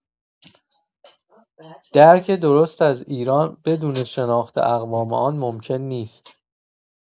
درک درست از ایران بدون شناخت اقوام آن ممکن نیست.